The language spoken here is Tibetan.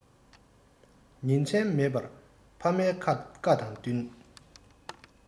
ཉིན མཚན མེད པ ཕ མའི བཀའ དང བསྟུན